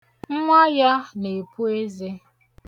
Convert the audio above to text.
Nnwa ya na-epu eze.